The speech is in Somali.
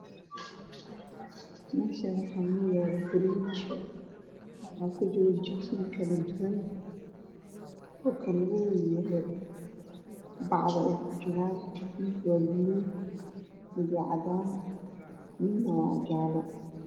Meeshaan waxaa inoo yaala fariij waxaa kujira jikin kala duwan oo kalarkoodu yahay bacda ay ku jirtaan mid waa buluug midna waa cadaan midna waa jaale.